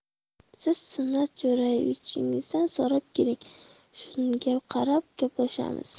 siz sunnat jo'raevichingizdan so'rab keling shunga qarab gaplashamiz